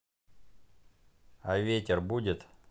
а ветер будет